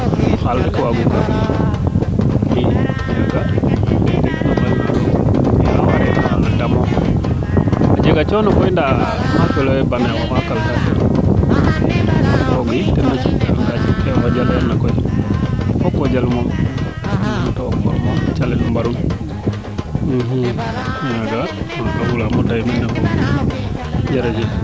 on xaal rek waago i a jega coono koy nda o mbay baneexo kam fe foko jal to calel ke mbaru kon kay wagamop dey meene jarajef